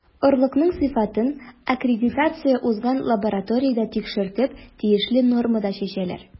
Орлыкның сыйфатын аккредитация узган лабораториядә тикшертеп, тиешле нормада чәчәләр.